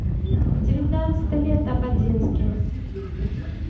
девятнадцать лет ободзинский